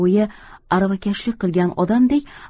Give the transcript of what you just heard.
bo'yi aravakashlik qilgan odamdek